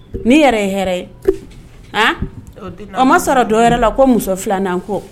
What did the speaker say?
N'i yɛrɛ ye hɛrɛ ye o ma sɔrɔ dɔw yɛrɛ la ko muso filanan kɔ